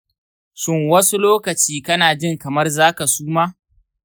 shin wasu lokaci kana jin kamar za ka suma?